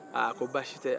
a ko baasi tɛ yan